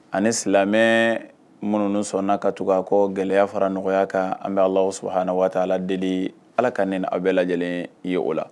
Ani silamɛ minnu sɔnna ka tugu'a ko gɛlɛyaya fara nɔgɔya kan an bɛ laha na waa' ala deli ala ka ni aw bɛɛ lajɛ lajɛlen ye o la